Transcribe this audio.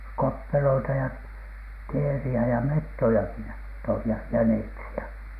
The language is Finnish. koppeloita ja teeriä ja metsojakin ja toivat ja jäniksiä